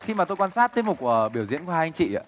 khi mà tôi quan sát tiết mục của biểu diễn của hai anh chị ạ